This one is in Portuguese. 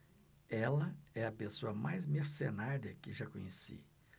ela é a pessoa mais mercenária que já conheci